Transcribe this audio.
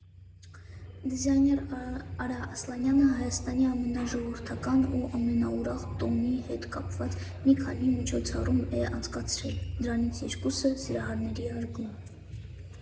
Դիզայներ Արա Ասլանյանը Հայաստանի ամենաժողովրդական ու ամենաուրախ տոնի հետ կապված մի քանի միջոցառում է անցկացրել, դրանցից երկուսը՝ Սիրահարների այգում։